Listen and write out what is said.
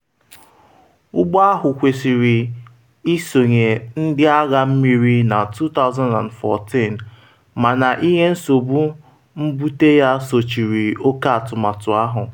Ụgbọ ahụ kwesịrị isonye Ndị Agha Mmiri na 2014, mana ihe nsogbu mbute ya sochiri oke atụmatụ ahụ.